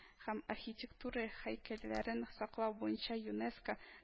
Һәм архитектура һәйкәлләрен саклау буенча юнеско